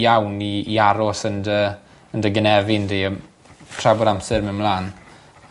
iawn i i aros yn dy yn dy gynefin di am tra bod amser myn' mlan.